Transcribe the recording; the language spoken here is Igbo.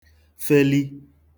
feli